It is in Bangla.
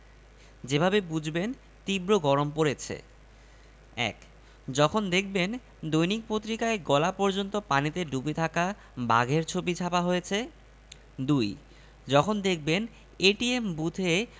আপনি হাতপাখা বা টিস্যু হিসেবে ব্যবহার করার পরিকল্পনা করে ফেলেছেন